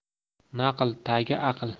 naql tagi aql